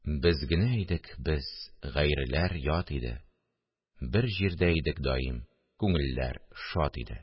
Без генә идек без, гайреләр ят иде, Бер җирдә идек даим, күңелләр шат иде